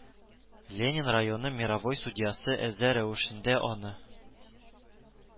Ленин районы мировой судьясы әза рәвешендә аны